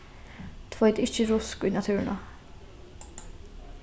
tveit ikki rusk í náttúruna